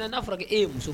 A n'a fɔra e ye muso